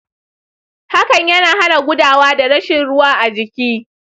hakan yana hana gudawa da rashin ruwa a jiki.